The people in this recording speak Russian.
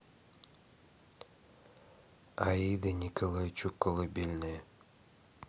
аида николайчук колыбельная